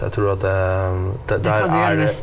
jeg tror at det det der er det.